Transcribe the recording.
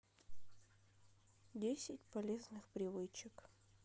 десять полезных привычек